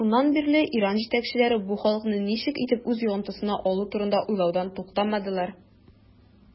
Шуннан бирле Иран җитәкчеләре бу халыкны ничек итеп үз йогынтысына алу турында уйлаудан туктамадылар.